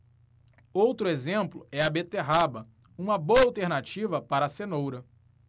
outro exemplo é a beterraba uma boa alternativa para a cenoura